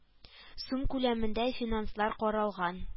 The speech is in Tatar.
Сум күләмендә финанслар каралган